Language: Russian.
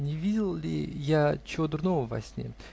не видел ли я чего дурного во сне?.